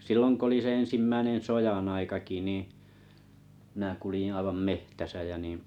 silloin kun oli se ensimmäinen sodan aikakin niin minä kuljin aivan metsässä ja niin